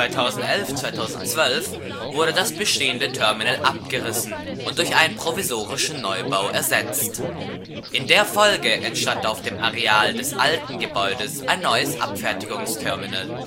2011/2012 wurde das bestehende Terminal abgerissen und durch einen provisorischen Neubau ersetzt, in der Folge entstand auf dem Areal des alten Gebäudes ein neues Abfertigungsterminal